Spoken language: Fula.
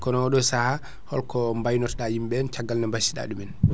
kono oɗo saha holko baynortoɗa yimɓe caggal ne bassiyɗa ɗumen